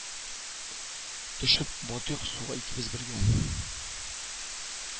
Төшеп батыйк суга икебез бергә